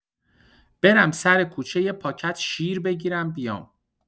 برم سر کوچه یه پاکت شیر بگیرم بیام.